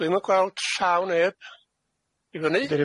Dwi'm yn gweld llaw neb i fyny.